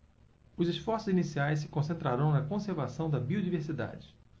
os esforços iniciais se concentrarão na conservação da biodiversidade